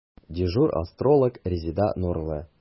Дежур астролог – Резеда Нурлы.